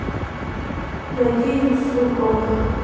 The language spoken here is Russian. найди юсуком